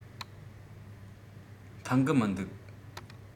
མཐུན གི མི འདུག